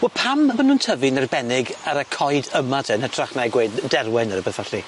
Wel pam bo' nw'n tyfu'n erbennig ar y coed yma te yn hytrach na i gweud derwen ne' rwbeth felly?